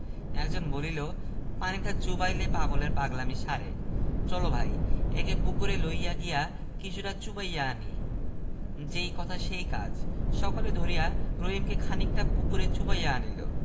একজন বলিল পানিতে চুবাইলে পাগলের পাগলামী সারে চল ভাই একে পুকুরে লইয়া গিয়া কিছুটা চুবাইয়া আনি যেই কথা সেই কাজ সকলে ধরিয়া রহিমকে খনিকটা পুকুরে চুবাইয়া আনিল